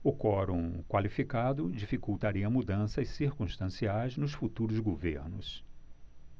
o quorum qualificado dificultaria mudanças circunstanciais nos futuros governos